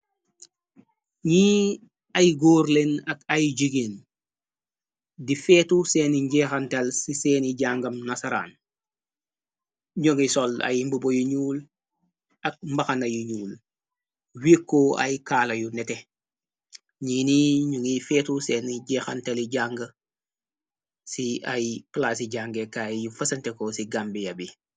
Ni ay goor leen ak ay jigeen di feetu seeni njeexantel ci seeni jangam nasaraan jongi sol ay mbëbo yu ñuul ak mbaxana yu ñuul wikko ay kaala yu nete ñii ni ñu ngiy feetu seen jeexanteli jàng ci ay plaasyi jànge kaay yi fesanteko ci gambeyabi.